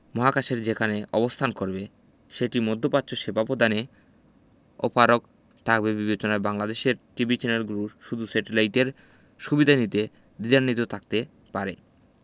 মহাকাশের যেখানে অবস্থান করবে সেটি মধ্যপাচ্য সেবা পদানে অপারগ থাকবে বিবেচনায় বাংলাদেশের টিভি চ্যানেলগুলো শুধু স্যাটেলাইটের সুবিধা নিতে দ্বিধান্বিত থাকতে পারে